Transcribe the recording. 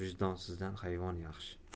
vijdonsizdan hayvon yaxshi